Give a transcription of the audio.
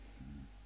mm